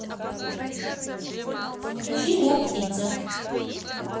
включи жар птица